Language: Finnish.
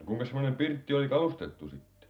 no kuinkas semmoinen pirtti oli kalustettu sitten